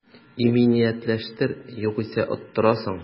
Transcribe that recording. Иминиятләштер, югыйсә оттырасың